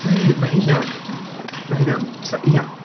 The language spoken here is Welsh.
Mm. Ma' hynna'n. Ma' hynna'n, sa- ia.